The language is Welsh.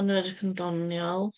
Maen nhw'n edrych yn ddoniol.